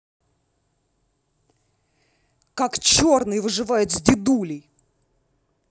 как черные выживают с дедулей